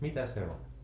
mitä se oli